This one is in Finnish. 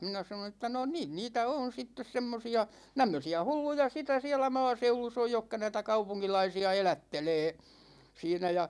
minä sanoin että no niin niitä on sitten semmoisia tämmöisiä hulluja sitä siellä maaseudussa on jotka näitä kaupunkilaisia elättelee siinä ja